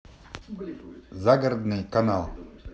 загородный канал